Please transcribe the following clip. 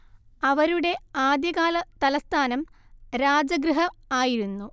അവരുടെ ആദ്യകാലതലസ്ഥാനം രാജഗൃഹ ആയിരുന്നു